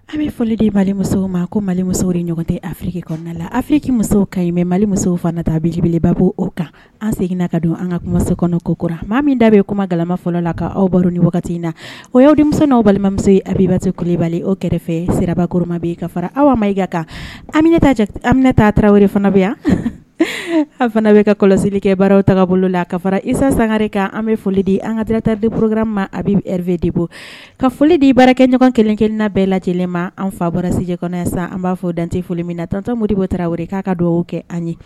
An bɛ foliden mali musow ma ko malimuso de ɲɔgɔn tɛ afirike kɔnɔna la afiyeki muso ka mɛ mali musow fana ta binjibelebabɔ o kan an seginna ka don an ka kumaso kɔnɔ kokurara maa min da bɛ kuma galama fɔlɔ la k' aw baro ni wagati in na o yadimu n'aw balimamuso abibatɔ kule bali o kɛrɛfɛ siraba koroma bɛ ka fara aw ma i ka kan ami ami taa tarawele fana bɛ yan an fana bɛ ka kɔlɔsili kɛ baaraw taga bolo la ka fara isa sanga kan an bɛ foli di an kadiratadiurukrama a bɛ de bɔ ka foli de baara kɛ ɲɔgɔn kelenkelenina bɛɛ lajɛ lajɛlen ma an fa bɔrasijɛ kɔnɔ yan san an b'a fɔ dante foli min natɔntɔmodi bɔ tarawele k'a ka dugawu kɛ an ye